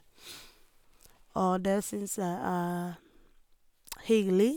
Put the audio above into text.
Og det syns jeg er hyggelig.